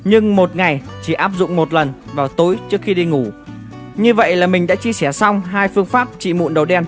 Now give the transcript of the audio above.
nhưng ngày chỉ áp dụng lần vào tối trước khi đi ngủ như vậy là mình đã chia sẻ xong phương pháp trị mụn đầu đen